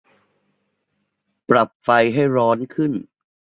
ปรับไฟให้ร้อนขึ้น